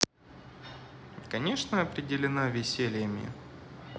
конечно определена весельями